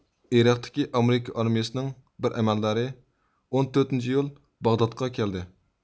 ئىراقتىكى ئامېرىكا ئارمىيىسىنىڭ بىر ئەمەلدارى ئون تۆتىنچى ئىيۇن باغدادقا كەلدى